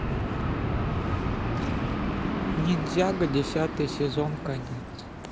ниндзяго десятый сезон конец